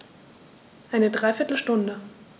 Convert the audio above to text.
Eine dreiviertel Stunde